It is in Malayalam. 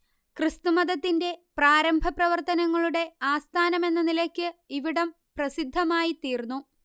ക്രിസ്തുമതത്തിന്റെ പ്രാരംഭപ്രവർത്തനങ്ങളുടെ ആസ്ഥാനമെന്ന നിലയ്ക്ക് ഇവിടം പ്രസിദ്ധമായിത്തീർന്നു